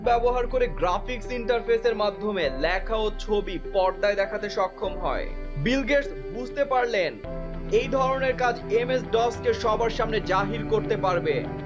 ব্যবহার করে গ্রাফিক্স ইন্টারফেসের মাধ্যমে লেখা ও ছবি পর্দায় দেখাতে সক্ষম হয় বিল গেটস বুঝতে পারলেন ধরনের এম এস ডস কে সবার সামনে জাহির করতে পারবে